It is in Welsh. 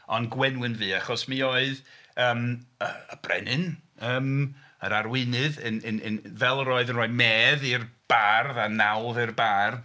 Ond gwenwyn fu achos mi oedd yym y y brenin, yym yr arweinydd yn yn yn fel yr oedd yn rhoi medd i'r bardd a nawdd i'r bardd...